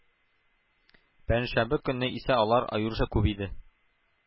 Пәнҗешәмбе көнне исә алар аеруча күп иде